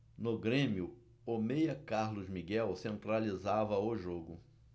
no grêmio o meia carlos miguel centralizava o jogo